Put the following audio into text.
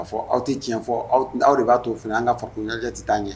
A fɔ aw tɛ tiɲɛ fɔ aw de b'a to f an kaa fa kunjɛ tɛ taa an cɛ